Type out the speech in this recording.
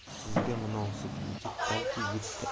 sizga munosib yigit balki